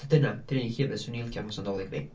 D- dyna 'di'r un llyfr 'swn i'n licio yn hosan Dolig fi.